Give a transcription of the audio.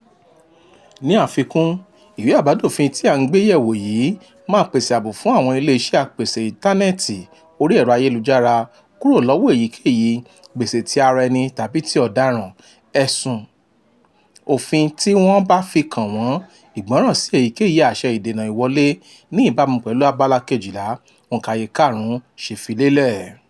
Ní àfikún, ìwé àbádòfin tí a ń gbé yẹ̀ wò yìí máa pèsè ààbò fún àwọn ilé-iṣẹ́ apèsè íńtánẹ̀tìì orí ẹ̀rọ ayélujára kórò lọ́wọ èyíkéyìí "gbèsè ti ara ẹni tàbí ti ọ̀daràn" ẹ̀sùn òfin tí wọ́n bá fi kàn wọ́n "ìgbọràn sí èyíkéyìí àṣẹ ìdènà ìwọlé" ní ìbámu pẹ̀lú bí abala 12, òǹkàye 5 ṣe fi lélẹ̀